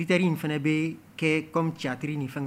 Biteri in fana bɛ kɛ co cari nin fɛn